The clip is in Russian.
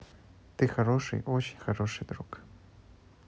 ты хороший очень хороший друг